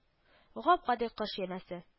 Гап-гади кош янәсе